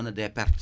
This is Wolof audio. météo